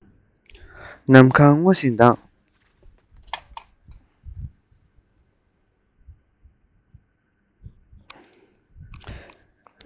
ནམ མཁའ སྔོ ཞིང དྭངས